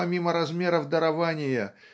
помимо размеров дарования